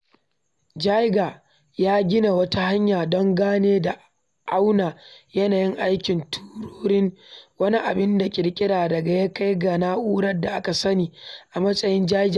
Geiger ya gina wata hanya don gane da auna yanayin aikin tururin, wani abin ƙiƙira daga ya kai ga na’urar da aka sani a matsayin Geiger Counter.